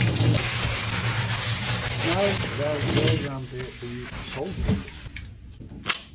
snar varð verandi í sólbrillunum